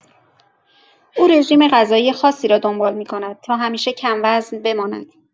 او رژیم‌غذایی خاصی را دنبال می‌کند تا همیشه کم‌وزن بماند.